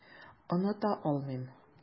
Оныта алмыйм.